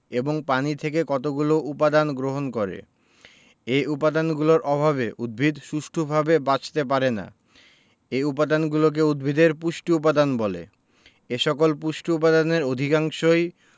এবং পানি থেকে কতগুলো উপদান গ্রহণ করে এ উপাদানগুলোর অভাবে উদ্ভিদ সুষ্ঠুভাবে বাঁচতে পারে না এ উপাদানগুলোকে উদ্ভিদের পুষ্টি উপাদান বলে এসকল পুষ্টি উপাদানের অধিকাংশই